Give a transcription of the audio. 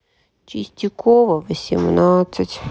чистякова восемнадцать